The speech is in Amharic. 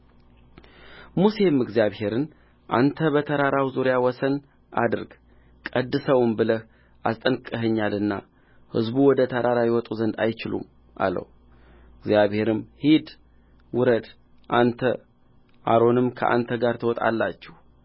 ሙሴም እግዚአብሔርን አንተ በተራራው ዙሪያ ወሰን አድርግ ቀድሰውም ብለህ አስጠንቅቀኸናልና ሕዝቡ ወደ ተራራ ይወጡ ዘንድ አይችሉም አለው እግዚአብሔርም ሂድ ውረድ አንተ አሮንም ከአንተ ጋር ትወጣላችሁ